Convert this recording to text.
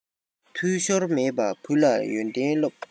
འཐུས ཤོར མེད པར བུ ལ ཡོན ཏན སློབས